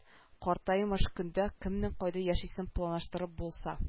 Картаймыш көндә кемнең кайда яшисен планлаштырып булса